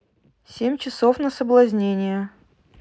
семь часов на соблазнение